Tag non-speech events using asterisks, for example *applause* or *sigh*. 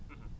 *hesitation* *hesitation*